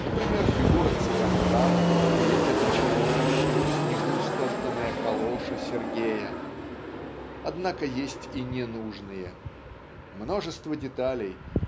например фигура Цыганка или эта чернеющая в снегу стоптанная калоша Сергея однако есть и ненужные. Множество деталей